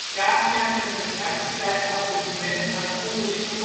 Cavia 's hebben een uitgebreid assortiment aan onderlinge